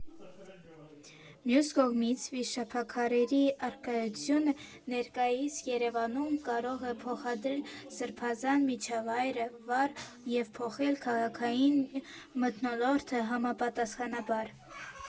Մյուս կողմից՝ վիշապաքարերի առկայությունը ներկայիս Երևանում կարող է փոխադրել սրբազան միջավայրը վար և փոխել քաղաքային մթնոլորտը համապատասխանաբար։